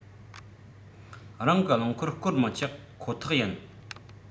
རང གི རླངས འཁོར བསྐོར མི ཆོག ཁོ ཐག ཡིན